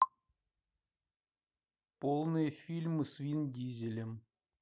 полные фильмы с вин дизелем